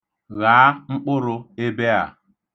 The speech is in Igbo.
Ghaa mkpụrụ ebe a.